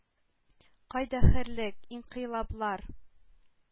Кайда хөрлек, инкыйлаблар,